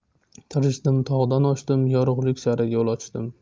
tirishdim tog'dan oshdim yorug'lik sari yo'l ochdim